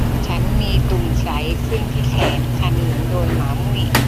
ฉันมีตุ่มใสขึ้นที่แขนคันเหมือนโดนหมามุ่ย